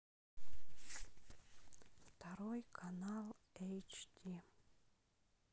второй канал эйч ди